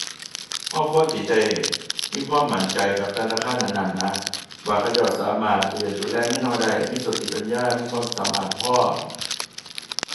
เราควรสิได้มีความมั่นใจกับธนาคารนั้นนั้นนะ ว่าเขาเจ้าสามารถที่จะดูแลเงินเราได้ มีสติปัญญา มีความสามารถพอ